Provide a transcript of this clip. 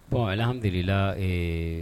Alhamdulila ee